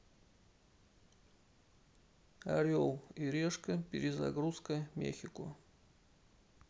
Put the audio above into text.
орел и решка перезагрузка мехико